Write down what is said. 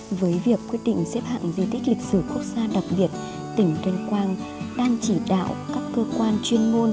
với việc quyết định xếp hạng di tích lịch sử quốc gia đặc biệt tỉnh tuyên quang đang chỉ đạo các cơ quan chuyên môn